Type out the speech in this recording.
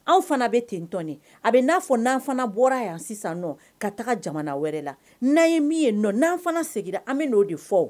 An fana bɛ tentɔnin a bɛ n'a fɔ'an fana bɔra yan sisan ka taga jamana wɛrɛ la n'an ye min ye nɔ n'an fana seginna an bɛ n'o de fɔ